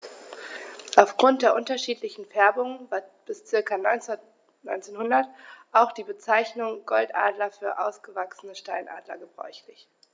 Auf Grund der unterschiedlichen Färbung war bis ca. 1900 auch die Bezeichnung Goldadler für ausgewachsene Steinadler gebräuchlich.